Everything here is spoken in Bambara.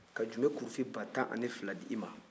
ka jume kurufin ba tan ani fila di i ma